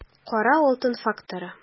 Кара алтын факторы